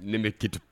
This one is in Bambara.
Ne bɛ tɛ